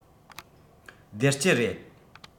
བདེ སྐྱིད རེད